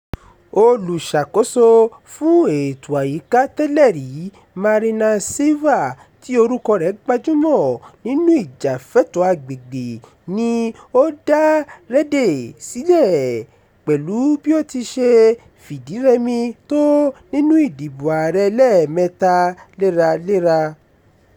Olùṣàkóso fún ètò àyíká tẹ́lẹ̀ rí Marina Silva, tí orúkọ rẹ̀ gbajúmọ̀ nínú ìjàfẹ́tọ̀ọ́ agbègbè ni ó dá Rede sílẹ̀ pẹ̀lú bí ó ti ṣe fìdírẹmi tó nínú ètò ìdìbò ààrẹ lẹ́ẹ̀mẹ́ta léraléra.